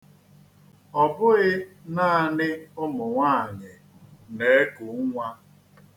Ọ bụghị naanị ụmụnwaanyị na-eku nnwa.